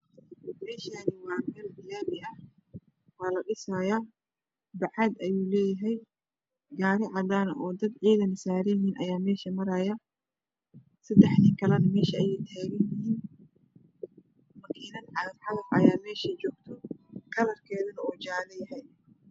Meeshaan waa meel laami ah waa ladhisaaya bacaad ayuu leeyahay gaari cadaan ah oo dad ciidana ay saaran yihiin ayaa meesha maraayo seddex nina meesha ayay taagan yihiin cafcaf ayaa meesha joogto kalarkeeduna yahay jaalo.